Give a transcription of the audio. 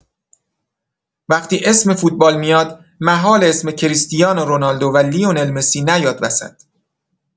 وقتی اسم فوتبال میاد، محاله اسم کریستیانو رونالدو و لیونل مسی نیاد وسط.